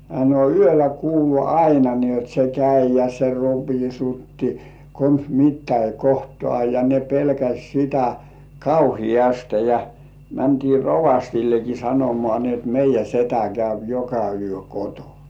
no yöllä kuului aina niin jotta se kävi ja se ropisutti konsa mitäkin kohtaa ja ne pelkäsi sitä kauheasti ja mentiin rovastillekin sanomaan niin jotta meidän setä käy joka yö kotona